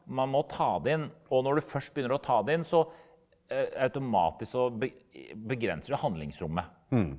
man må ta det inn, og når du først begynner å ta det inn så automatisk så begrenser det handlingsrommet.